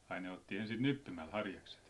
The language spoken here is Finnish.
ai ne otti ensin nyppimällä harjakset